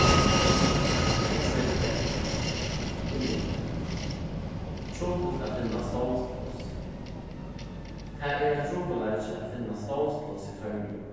tekstur tvey tíðindi trupult at finna stovnspláss tað er ein trupulleiki at finna stovnspláss í føroyum